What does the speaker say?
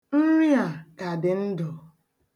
Nri a ka dị ndụ.